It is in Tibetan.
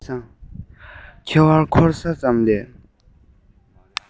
ཁེ བ འཁོར ས ཙམ ལས